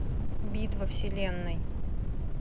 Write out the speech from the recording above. битва вселенной